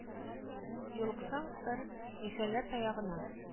Юлыксаң, ыр, мишәрләр таягына